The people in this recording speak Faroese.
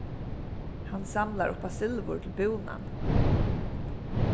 hann samlar upp á silvur til búnan